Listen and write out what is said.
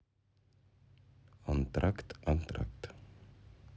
антракт антракт